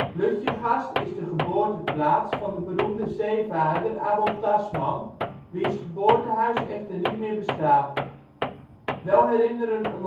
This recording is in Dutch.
Lutjegast is de geboorteplaats van de beroemde zeevaarder Abel Tasman, wiens geboortehuis echter niet meer bestaat. Wel herinneren